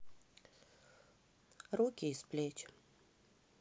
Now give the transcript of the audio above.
руки из плеч